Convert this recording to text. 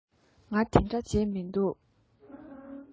ང འདི འདྲ བྱེད མི འདུག